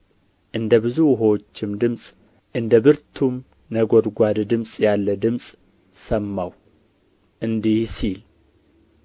እንደ ብዙ ውኃዎችም ድምፅ እንደ ብርቱም ነጐድጓድ ድምፅ ያለ ድምፅ ሰማሁ እንዲህ ሲል